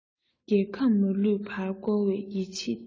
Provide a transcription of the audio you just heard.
རྒྱལ ཁམས མ ལུས པར བསྐོར བའི ཡིད ཆེས བརྟས